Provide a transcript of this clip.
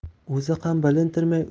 o'zi ham bilintirmay